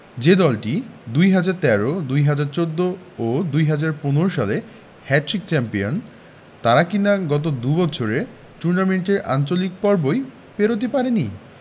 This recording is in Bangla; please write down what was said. যে দলটি ২০১৩ ২০১৪ ও ২০১৫ সালে হ্যাটট্রিক চ্যাম্পিয়ন তারা কিনা গত দুই বছরে টুর্নামেন্টের আঞ্চলিক পর্বই পেরোতে পারেনি